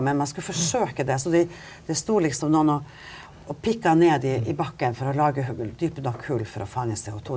men man skulle forsøke det så de det sto liksom noen å pikka ned i bakken for å lage hull dype nok hull for å fange CO2.